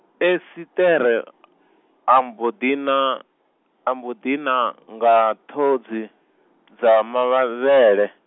Esiṱere, a mbo ḓi na-, a mbo ḓi nanga ṱhodzi, dza mavhele.